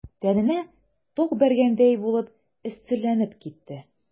Тәненә ток бәргәндәй булып эсселәнеп китте.